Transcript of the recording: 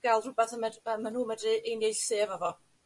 ga'l rh'wbath y med- fel ma' nhw medru unieithu efo fo.